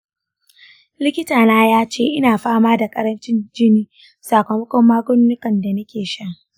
likitana ya ce ina fama da ƙarancin jini sakamakon magungunan da nake sha.